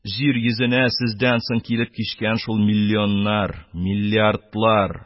Җир йөзенә сездән соң килеп кичкән шул миллионнар, миллиардлар